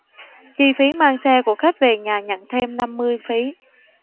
chi phí mang xe của khách về nhà nhận thêm năm mươi phí